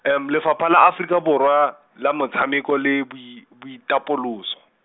Lefapha la Aforika Borwa, la Metshameko le Boi-, Boitapoloso.